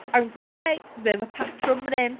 I would say, there's a patrwm fan hyn.